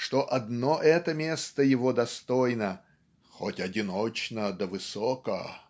что одно это место его достойно "хоть одиноко да высоко".